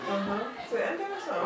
c' est interessant